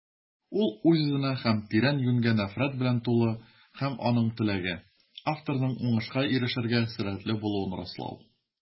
Ул үз-үзенә һәм тирә-юньгә нәфрәт белән тулы - һәм аның теләге: авторның уңышка ирешергә сәләтле булуын раслау.